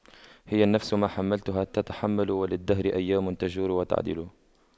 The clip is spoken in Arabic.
هي النفس ما حَمَّلْتَها تتحمل وللدهر أيام تجور وتَعْدِلُ